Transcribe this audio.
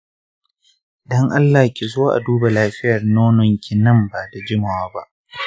don allah kizo a duba lafiyar nononki nan bada jimawa ba.